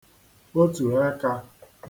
kpotù ẹkā